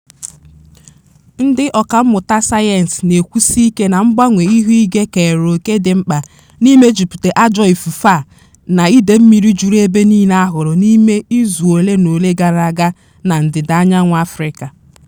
Ndị ọkàmmụta sayensị na-ekwusi ike na mgbanwe ihuigwe keere òkè dị mkpa n'imepụta ajọ ifufe a na ide mmiri juru ebe niile a hụrụ n'ime izu ole na ole gara aga na ndịdaanyanwụ Afrịka.